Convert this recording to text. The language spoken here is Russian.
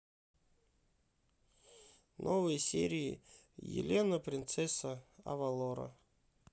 новые серии елена принцесса авалора